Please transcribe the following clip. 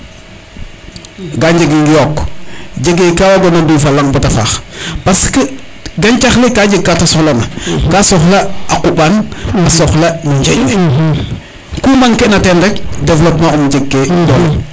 ga njeg yook jege ka wagona dufa laŋ bata faax parce que gancax le ka jeg kate soxla na ka soxla a quɓan a soxla na njeeƴ ne ku manquer na ten rek developpement um jeg ke dole ye